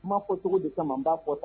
Kuma fɔ cogo de kama n ba fɔ tan.